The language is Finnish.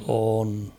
on